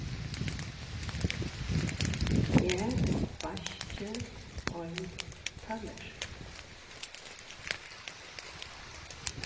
eg vaski ein tallerk